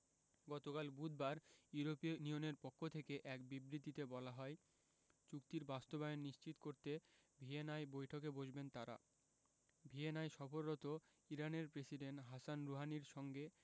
গতকাল বুধবার ইউরোপীয় ইউনিয়নের পক্ষ থেকে এক বিবৃতিতে বলা হয় চুক্তির বাস্তবায়ন নিশ্চিত করতে ভিয়েনায় বৈঠকে বসবেন তাঁরা ভিয়েনায় সফররত ইরানের প্রেসিডেন্ট হাসান রুহানির সঙ্গে